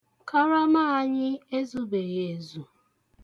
Karama anyị ezubeghị ezu.